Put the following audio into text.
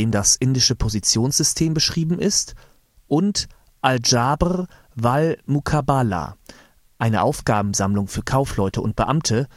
das indische Positionssystem beschrieben ist und Al-dschabr wa'l muqabalah (Aufgabensammlung für Kaufleute und Beamte